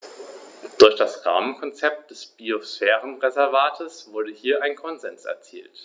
Durch das Rahmenkonzept des Biosphärenreservates wurde hier ein Konsens erzielt.